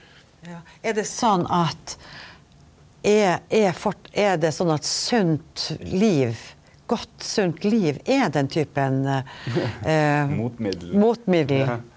ja er det sånn at er er er det sånn at sunt liv godt sunt liv er den typen motmiddel?